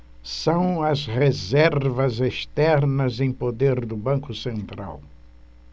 são as reservas externas em poder do banco central